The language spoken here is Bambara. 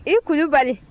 i kulubali